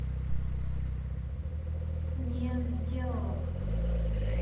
незделал